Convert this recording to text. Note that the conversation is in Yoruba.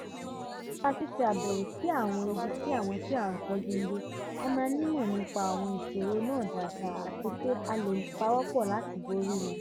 Nípa ṣíṣe àbẹ̀wò sí àwọn ibi tí àwọn tí à ń tọ́jú ń gbé a máa nímọ̀ nípa àwọn ìṣòro náà daada, àti pé a le pawọ́ pọ̀ láti borí wọn.